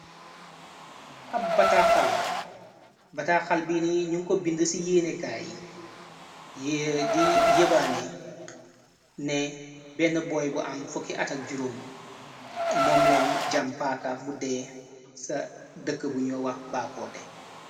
Ab bataxal bi ni ñu ko bind ci yeenekaa yi di yëbaane ne benn booy bu am fokki atak juróom moom leen jam paaka muddee ca dëkk buño wax baakoote.